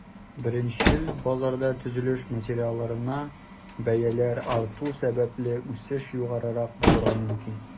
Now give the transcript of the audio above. Беренчел базарда, төзелеш материалларына бәяләр арту сәбәпле, үсеш югарырак булырга мөмкин.